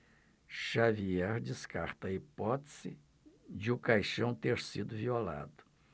xavier descarta a hipótese de o caixão ter sido violado